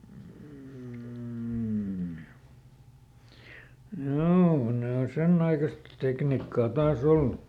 mm joo ne on sen aikaista tekniikkaa taas ollut